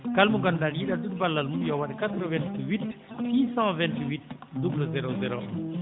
kala mo ngannduɗaa no yiɗi addude balal mum yo waɗ e 88 628 00 01